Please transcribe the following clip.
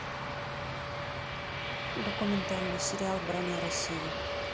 документальный сериал броня россии